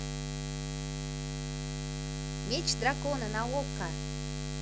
меч дракона на окко